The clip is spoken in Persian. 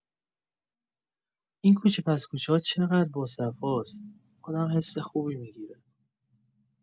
این کوچه‌پس‌کوچه‌ها چقدر باصفاست، آدم حس خوبی می‌گیره.